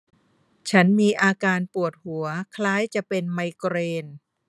ฉันมีอาการปวดหัวคล้ายจะเป็นไมเกรน